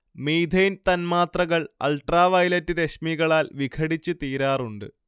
methane തന്മാത്രകൾ ultraviolet രശ്മികളാൽ വിഘടിച്ച് തീരാറുണ്ട്